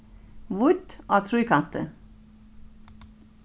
vídd á tríkanti